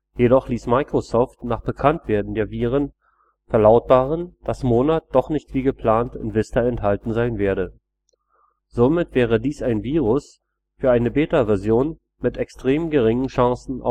Jedoch ließ Microsoft nach Bekanntwerden der Viren verlautbaren, dass Monad doch nicht wie geplant in Vista enthalten sein werde. Somit wäre dies ein Virus für eine Betaversion mit extrem geringen Chancen